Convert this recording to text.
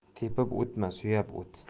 tepib o'tma suyab o't